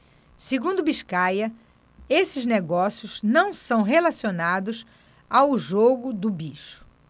segundo biscaia esses negócios não são relacionados ao jogo do bicho